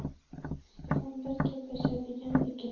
siz bilan bir gaplashadigan ekan